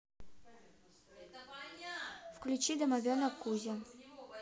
включи домовенок кузя